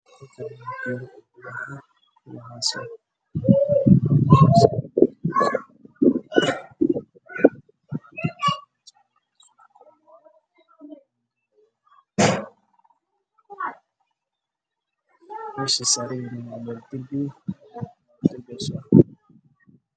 Waxaa meshan ka muuqda labo ubax mid gaduud ah iyo mid Jaale ah